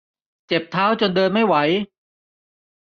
เจ็บเท้าจนเดินไม่ไหว